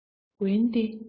འོན ཏེ